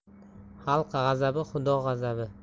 xalq g'azabi xudo g'azabi